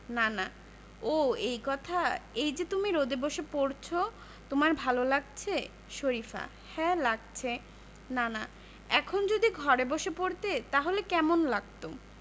নানা ও এই কথা এই যে তুমি রোদে বসে পড়ছ তোমার ভালো লাগছে শরিফা হ্যাঁ লাগছে নানা এখন যদি ঘরে বসে পড়তে তাহলে কেমন লাগত